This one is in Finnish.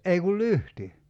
ei kuin lyhty